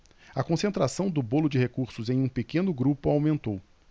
a concentração do bolo de recursos em um pequeno grupo aumentou